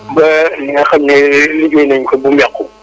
ba li nga xam ne liggéey nañu ko bu mu yàqu